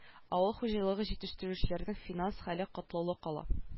Авыл хуҗалыгы җитештерүчеләренең финанс хәле катлаулы кала